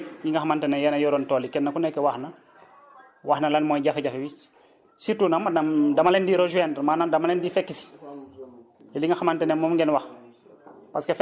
yéen ñëpp ñi nga xamante ne yéen a yoroon tool yi kenn ku nekk wax na wax na lan mooy jafe-jafe yi surtout nag maanaam dama leen di rejoindre maanaam dama leen di fekk si ci li nga xamante ne moom ngeen wax ci li nga xamante ne moom ngeen wax